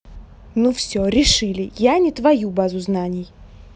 ну все решили я не твою базу знаний